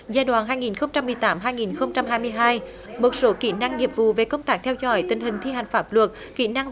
giai đoạn hai nghìn không trăm mười tám hai nghìn không trăm hai mươi hai một số kỹ năng nghiệp vụ về công tác theo dõi tình hình thi hành pháp luật kỹ năng